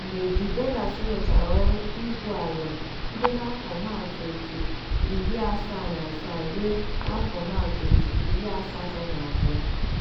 mgbe De Beers rụchara ọrụ igwuala bido na 1977 ruo 1982.